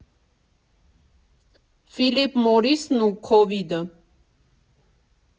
Ֆիլիպ Մորրիսն ու քովիդը.